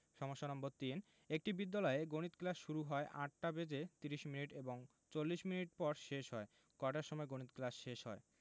সমস্যা নম্বর৩ একটি বিদ্যালয়ে গণিত ক্লাস শুরু হয় ৮টা বেজে ৩০ মিনিট এবং ৪০ মিনিট পর শেষ হয় কয়টার সময় গণিত ক্লাস শেষ হয়